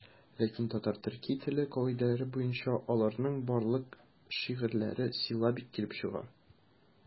Ләкин татар-төрки теле кагыйдәләре буенча аларның барлык шигырьләре силлабик килеп чыга.